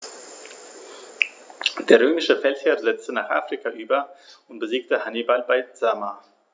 Der römische Feldherr setzte nach Afrika über und besiegte Hannibal bei Zama.